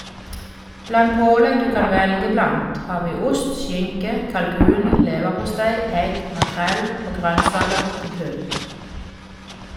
Blant pålegg du kan velge blant har vi ost, skinke, kalkun, leverpostei, egg, makrell og grønnsaker til pynt.